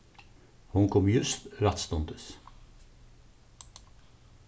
hon kom júst rættstundis